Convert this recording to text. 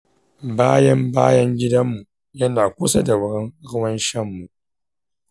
bayan bayan gidanmu yana kusa da wurin ruwan shan mu.